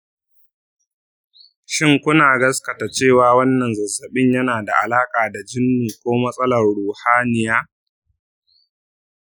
shin kuna gaskata cewa wannan zazzabin yana da alaƙa da jinnu ko matsalar ruhaniya?